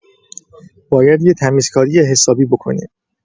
باید یه تمیزکاری حسابی بکنیم.